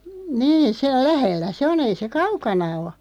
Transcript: niin sen lähellä se on ei se kaukana ole